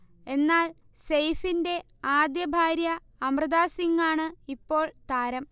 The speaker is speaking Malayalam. എന്നാൽ സെയ്ഫിൻറെ ആദ്യ ഭാര്യ അമൃത സിങ്ങാണ് ഇപ്പോൾ താരം